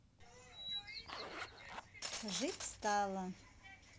жить стало